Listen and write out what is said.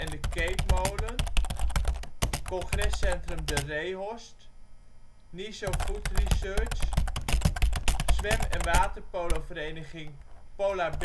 De Keetmolen. Congrescentrum De Reehorst NIZO food research Zwem - en waterpolovereniging Polar